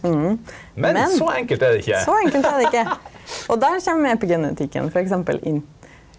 ja, men så enkelt er det ikkje og der kjem epigenetikken f.eks. inn.